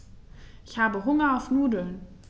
Ich habe Hunger auf Nudeln.